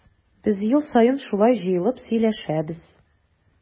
Без ел саен шулай җыелып сөйләшәбез.